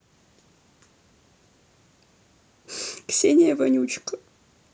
ксения вонючка